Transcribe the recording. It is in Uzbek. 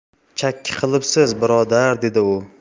chakki qilibsiz birodar dedi u